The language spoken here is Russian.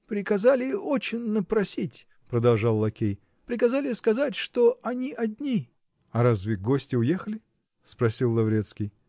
-- Приказали очинно просить, -- продолжал лакей, -- приказали сказать, что они одни. -- А разве гости уехали? -- спросил Лаврецкий.